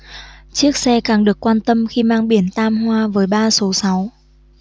chiếc xe càng được quan tâm khi mang biển tam hoa với ba số sáu